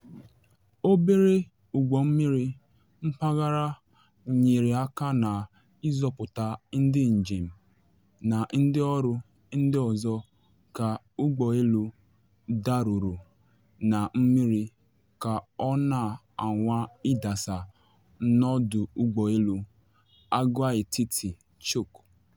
Obere ụgbọ mmiri mpaghara nyere aka na ịzọpụta ndị njem na ndị ọrụ ndị ọzọ ka ụgbọ elu daruru na mmiri ka ọ na anwa ịdasa n’ọdụ ụgbọ elu Agwaetiti Chuuk.